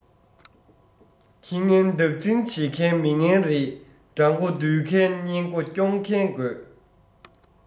ཁྱི ངན བདག འཛིན བྱེད མཁན མི ངན རེད དགྲ མགོ འདུལ མཁན གཉེན མགོ སྐྱོང མཁན དགོས